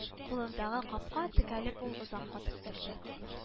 Кулындагы капка текәлеп ул озак катып торды